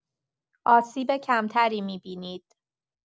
آسیب کم‌تری می‌بینید.